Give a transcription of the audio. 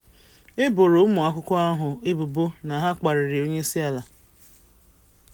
E boro ụmụakwụkwọ ahụ ebubo na ha "kparịrị onyeisiala."